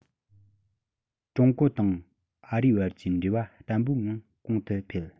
ཀྲུང གོ དང ཨ རིའི བར གྱི འབྲེལ བ བརྟན པོའི ངང གོང དུ འཕེལ